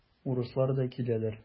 Урыслар да киләләр.